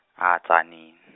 ha- Tzaneen.